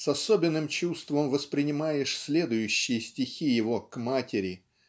с особенным чувством воспринимаешь следующие стихи его к матери